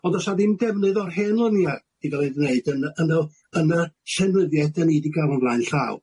ond do's 'a ddim defnydd o'r hen lynia' 'di ga'l 'i gneud yn y yn y yn y llenyddiaeth 'dan ni 'di ga'l o flaen llaw.